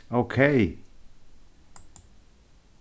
ókey